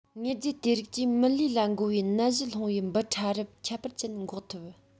དངོས རྫས དེ རིགས ཀྱིས མི ལུས ལ འགོ བའི ནད གཞི སློང བའི འབུ ཕྲ རབ ཁྱད པར ཅན འགོག ཐུབ